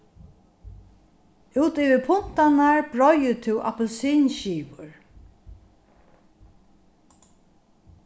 út yvir puntarnar breiðir tú appilsinskivur